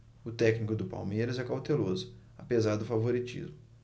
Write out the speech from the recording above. o técnico do palmeiras é cauteloso apesar do favoritismo